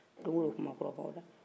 don o don kumakura bɛ aw da